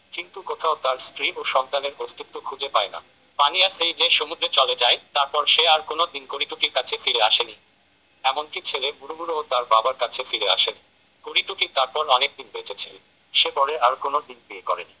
কিন্তু কোথাও তার স্ত্রী ও সন্তানের অস্তিত্ব খুঁজে পায় না পানিয়া সেই যে সমুদ্রে চলে যায় তারপর সে আর কোনো দিন করিটুকির কাছে ফিরে আসেনি এমনকি ছেলে মুড়মুড়ও তার বাবার কাছে ফিরে আসেনি করিটুকি তারপর অনেক দিন বেঁচেছিল সে পরে আর কোনো দিন বিয়ে করেনি